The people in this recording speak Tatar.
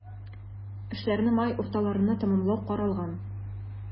Эшләрне май урталарына тәмамлау каралган.